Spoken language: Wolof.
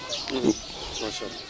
macha allah